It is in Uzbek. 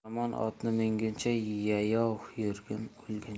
yomon otni minguncha yayov yurgin o'lguncha